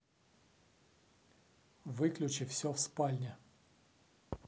выключи все в спальне